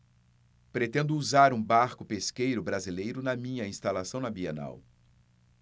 pretendo usar um barco pesqueiro brasileiro na minha instalação na bienal